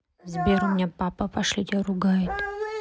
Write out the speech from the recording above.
сбер у меня папа пошлите ругает